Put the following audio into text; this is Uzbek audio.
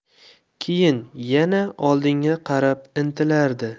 keyin yana oldinga qarab intilardi